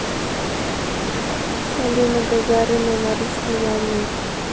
полина гагарина на расстоянии